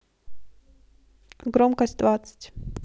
громкость двадцать